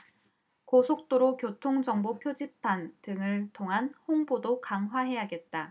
고속도로 교통정보 표시판 등을 통한 홍보도 강화하겠다